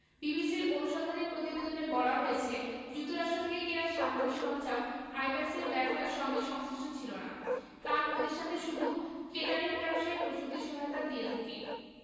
বিবিসির অনুসন্ধানী প্রতিবেদনে বলা হয়েছে যুক্তরাষ্ট্র থেকে কেনা সামরিক সরঞ্জাম আইব্যাকসের ব্যবসার সঙ্গে সংশ্লিষ্ট ছিল না কারণ প্রতিষ্ঠানটি শুধু কেটারিং ব্যবসায় প্রযুক্তি সহায়তা দিয়ে থাকে